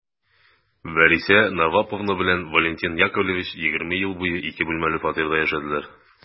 Вәриса Наваповна белән Валентин Яковлевич егерме ел буе ике бүлмәле фатирда яшәделәр.